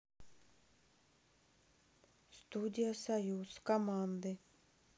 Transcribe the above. студия союз команды